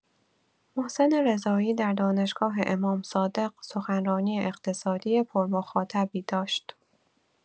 محسن رضایی در دانشگاه امام صادق سخنرانی اقتصادی پرمخاطبی داشت.